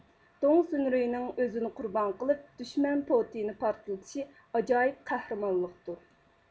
دۇڭ سۇنرۇينىڭ ئۆزىنى قۇربان قىلىپ دۈشمەن پوتىيىنى پارتلىتىشى ئاجايىپ قەھرىمانلىقتۇر